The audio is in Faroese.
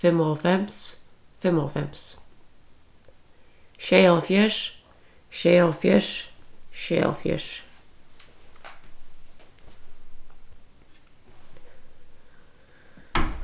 fimmoghálvfems fimmoghálvfems sjeyoghálvfjerðs sjeyoghálvfjerðs sjeyoghálvfjerðs